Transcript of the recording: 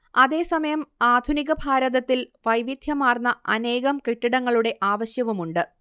അതേസമയം ആധുനിക ഭാരതത്തിൽ വൈവിധ്യമാർന്ന അനേകം കെട്ടിടങ്ങളുടെ ആവശ്യവുമുണ്ട്